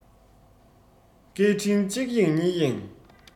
སྐད འཕྲིན གཅིག གཡེང གཉིས གཡེང